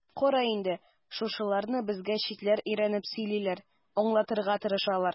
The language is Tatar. Кара инде, шушыларны безгә читләр өйрәнеп сөйлиләр, аңлатырга тырышалар.